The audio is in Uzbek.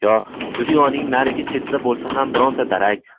yo dunyoning narigi chetida bo'lsa ham bironta darak